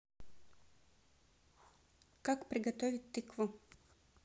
как приготовить тыкву